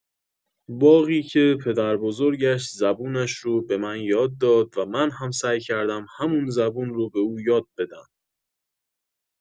باغی که پدربزرگش زبونش رو به من یاد داد و من هم سعی کردم همون زبون رو به اون یاد بدم.